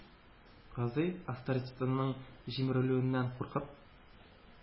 Казый, авторитетының җимерелүеннән куркып,